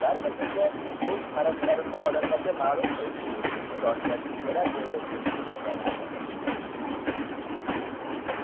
baribir menga o'z qarashlarimni odamlarga ma'lum qilish uchun imkoniyat beradi deb ishonardi